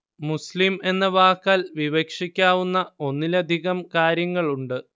മുസ്ലിം എന്ന വാക്കാൽ വിവക്ഷിക്കാവുന്ന ഒന്നിലധികം കാര്യങ്ങളുണ്ട്